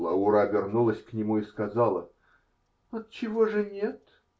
Лаура обернулась к нему и сказала: -- Отчего же нет?